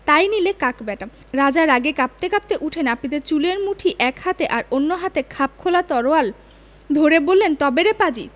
তাই নিলে কাক ব্যাটা রাজা রাগে কাঁপতে কাঁপতে উঠে নাপিতের চুলের মুঠি এক হাতে আর অন্য হাতে খাপ খোলা তরোয়াল ধরে বললেন তবে রে পাজি